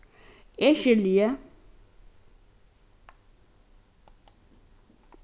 eg skilji